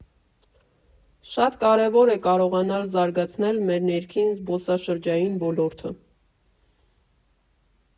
Շատ կարևոր է կարողանալ զարգացնել մեր ներքին զբոսաշրջային ոլորտը։